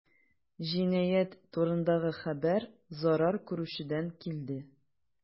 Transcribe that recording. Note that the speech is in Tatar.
Җинаять турындагы хәбәр зарар күрүчедән килде.